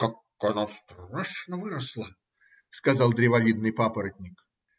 – Как она страшно выросла, – сказал древовидный папоротник.